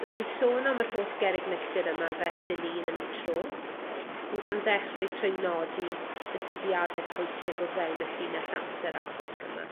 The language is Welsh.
Byddai'n sôn am yr holl gerrig milltir yma fesul un yn eu tro, on' gan ddechrau trwy nodi y dyddiade pwysig o fewn y llinell amser addysg yma.